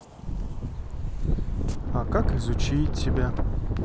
а как изучать тебя